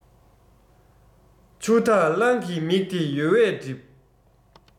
ཆུ འཐག གླང གི མིག དེ ཡོལ བས བསྒྲིབས